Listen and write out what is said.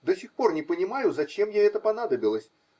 До сих пор не понимаю, зачем ей это понадобилось.